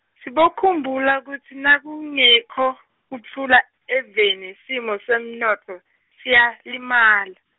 sibokhumbula kutsi nakungekho kutfula eveni simo semnontfo, siyalimala.